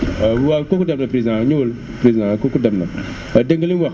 waaw kooku dem na président ñëwal président kooku dem na dégg nga li mu wax